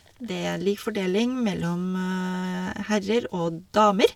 Det er lik fordeling mellom herrer og damer.